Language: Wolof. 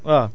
moo gën